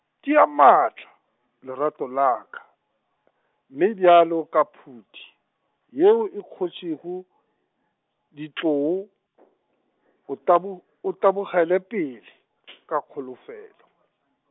tia matla, lerato la ka , mme bjalo ka phuti, yeo e khotšego, ditloo , o tabo-, o tabogele pele , ka kholofelo.